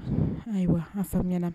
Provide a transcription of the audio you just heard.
Ayiwa